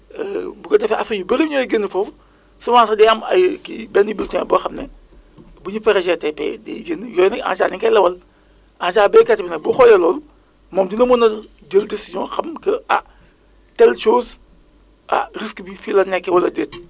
bu ko defee affaire yu bëri ñooy génn foofu souvent sax day am ay kii benn bulletin boo xam ne bu ñu paree GTP day génn yooyu nag en général dañu koy lewal en général ;fra béykat bi nag bu xoolee loolu moom dina mën a jël décision xam que ah telle chose ah risque bii fii la nekkee wala déet